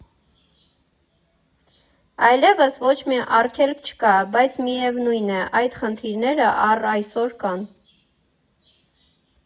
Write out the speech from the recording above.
Այլևս ոչ մի արգելք չկա, բայց, միևնույն է, այդ խնդիրները առ այսօր կան։